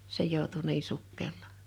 se joutui niin sukkelaan